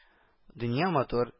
Дөнья матур